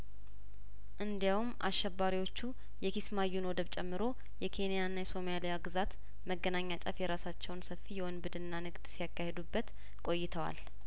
እንዲያውም አሸባሪዎቹ የኪስማዩን ወደብ ጨምሮ የኬኒያና የሶማሊያ ግዛት መገናኛ ጫፍ የራሳቸውን ሰፊ የውንብድና ንግድ ሲያካሂዱበት ቆይተዋል